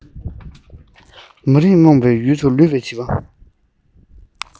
མ རིག རྨོངས པའི ཡུལ དུ ལུས པའི བྱིས པ